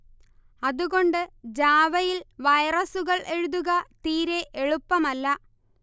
അതുകൊണ്ട് ജാവയിൽ വൈറസുകൾ എഴുതുക തീരെ എളുപ്പമല്ല